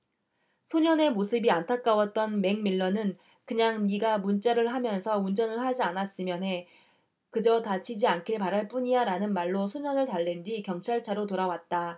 소년의 모습이 안타까웠던 맥밀런은 그냥 네가 문자를 하면서 운전을 하지 않았으면 해 그저 다치지 않길 바랄 뿐이야라는 말로 소년을 달랜 뒤 경찰차로 돌아왔다